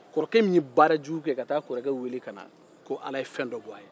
kɔrɔkɛ min ye baara jugu kɛ ka taa kɔrɔkɛ wele ka na ko ala ye fɛn dɔ kɛ a ye